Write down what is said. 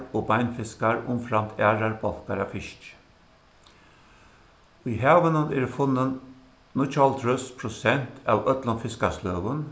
og beinfiskar umframt aðrar bólkar av fiski í havinum eru funnin níggjuoghálvtrýss prosent av øllum fiskasløgum